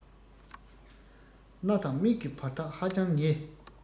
སྣ དང མིག གི བར ཐག ཧ ཅང ཉེ